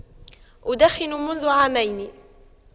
أدخن منذ عامين